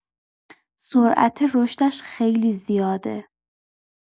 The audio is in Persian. سرعت رشدش خیلی زیاده.